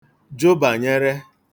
jụ bànyere